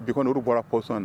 Bitɔnk olu bɔra kɔsa